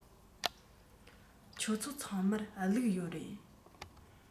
ཁྱོད ཚོ ཚང མར ལུག ཡོད རེད